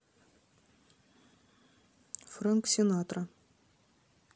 фрэнк синатра